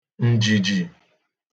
ǹjìjì